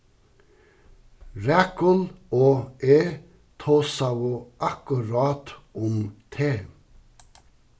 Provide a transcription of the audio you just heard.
rakul og eg tosaðu akkurát um teg